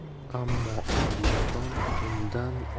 ammo alimardon undan